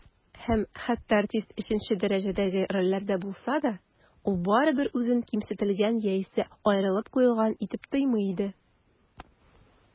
Һәм хәтта артист өченче дәрәҗәдәге рольләрдә булса да, ул барыбыр үзен кимсетелгән яисә аерылып куелган итеп тоймый иде.